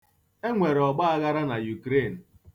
E nwere ọgbaaghara na Yukureeni.